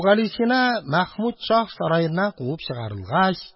Әбүгалисина, Мәхмүд шаһ сараеннан куып чыгарылгач,